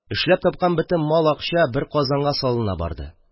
Эшләп тапкан бөтен мал-акча бер казанга салына барды